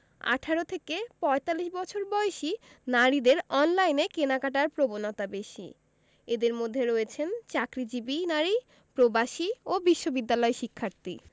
১৮ থেকে ৪৫ বছর বয়সী নারীদের অনলাইনে কেনাকাটার প্রবণতা বেশি এঁদের মধ্যে রয়েছেন চাকরিজীবী নারী প্রবাসী ও বিশ্ববিদ্যালয় শিক্ষার্থী